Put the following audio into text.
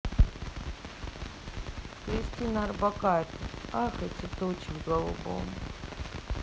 кристина орбакайте ах эти тучи в голубом